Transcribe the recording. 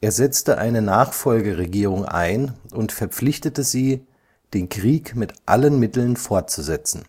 setzte eine Nachfolgeregierung ein und verpflichtete sie, den Krieg mit allen Mitteln fortzusetzen